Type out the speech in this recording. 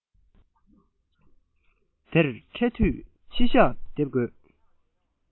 དེར འཕྲད དུས མཆིལ ཞགས འདེབས དགོས